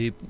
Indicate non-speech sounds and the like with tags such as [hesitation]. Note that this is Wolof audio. [hesitation] [hesitation]